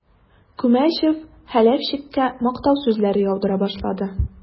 Күмәчев Хәләфчиккә мактау сүзләре яудыра башлады.